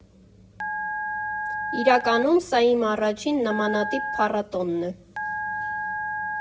Իրականում, սա իմ առաջին նմանատիպ փառատոնն է։